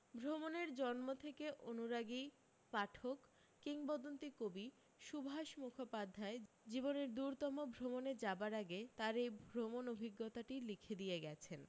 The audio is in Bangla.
ভ্রমণ এর জন্ম থেকে অনুরাগী পাঠক কিংবদন্তী কবি সুভাষমুখাপাধ্যায় জীবনের দূরতম ভ্রমণে যাবার আগে তার এই ভ্রমণ অভিজ্ঞতাটি লিখে দিয়ে গেছেন